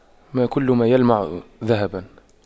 ما كل ما يلمع ذهباً